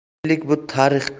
qiyinchilik bu tarix